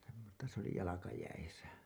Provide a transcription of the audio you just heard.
semmoista se oli jalkajäissä